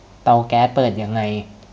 เตาแก๊สเปิดยังไง